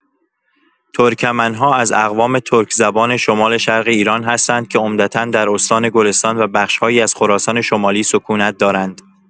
ترکمن‌ها از اقوام ترک‌زبان شمال‌شرق ایران هستند که عمدتا در استان گلستان و بخش‌هایی از خراسان شمالی سکونت دارند.